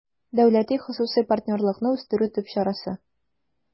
«дәүләти-хосусый партнерлыкны үстерү» төп чарасы